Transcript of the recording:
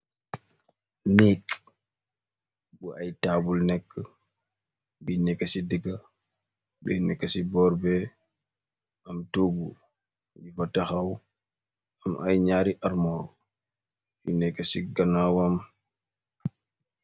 Neekk bu ay taabul neke be neke ci digga be neke ci boorbe am tuugu bu fa taxaw am ay ñaari armoor yu neke ci ganawam.